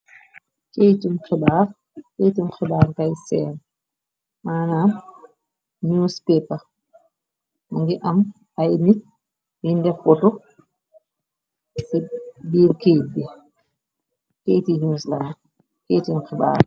Kaytum xibaar tay seer manan newspaper. Mu ngi am ay nit binde foto ci biir kéet bi katy newsealand kaytun xibaar.